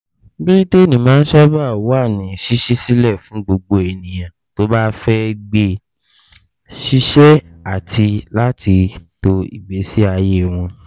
Bírítéènì máa sábà wà ní ṣíṣí sílẹ̀ fún gbogbo ènìyàn tó bá fẹ́ gbé, ṣiṣẹ́ àti láti to ìgbésí ayé wọn.